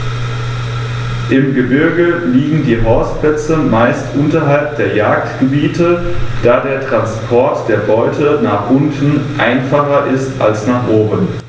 Im Gebirge liegen die Horstplätze meist unterhalb der Jagdgebiete, da der Transport der Beute nach unten einfacher ist als nach oben.